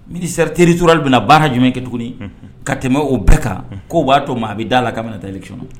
Mi seri teririturali bɛna na baara jumɛn kɛ tuguni ka tɛmɛ oo bɛɛ kan ko b'a to ma a bɛ da la ka taaliki